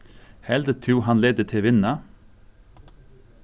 heldur tú hann letur teg vinna